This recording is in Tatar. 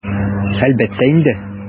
Әлбәттә инде!